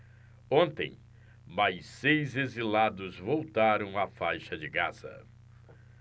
ontem mais seis exilados voltaram à faixa de gaza